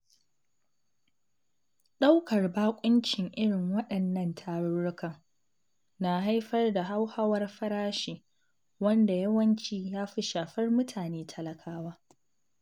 Ɗaukar baƙuncin irin waɗannan tarurrukan na haifar da hauhawar farashi, wanda yawanci ya fi shafar mutane talakawa.